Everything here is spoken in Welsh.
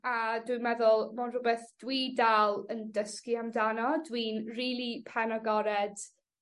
A dwi'n meddwl ma' o'n rwbeth dwi dal yn dysgu amdano dwi'n rili penagored